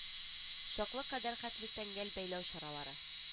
Чаклы кадәр хәтле тәңгәл бәйләү чаралары